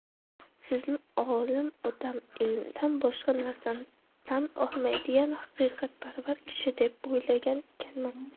sizni olim odam ilmdan boshqa narsani tan olmaydigan haqiqatparvar kishi deb o'ylagan ekanman